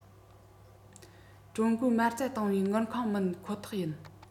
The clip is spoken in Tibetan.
ཀྲུང གོས མ རྩ བཏང བའི དངུལ ཁང མིན ཁོ ཐག ཡིན